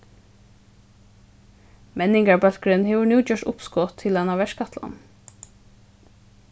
menningarbólkurin hevur nú gjørt uppskot til eina verkætlan